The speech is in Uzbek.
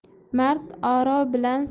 mard oro bilan